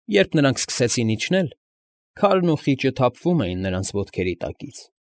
Երբ նրանք սկսեցին իջնել, քարն ու խիճը թափվում էին նրանց ոտքերի տակից։